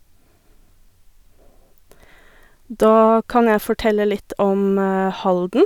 Da kan jeg fortelle litt om Halden.